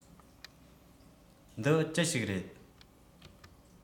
འདི ཅི ཞིག རེད